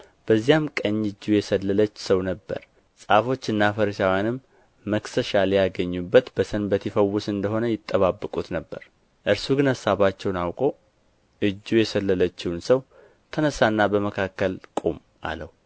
በዚያም ቀኝ እጁ የሰለለች ሰው ነበረ ጻፎችና ፈሪሳውያንም መክሰሻ ሊያገኙበት በሰንበት ይፈውስ እንደ ሆነ ይጠባበቁት ነበር እርሱ ግን አሳባቸውን አውቆ እጁ የሰለለችውን ሰው ተነሣና በመካከል ቁም አለው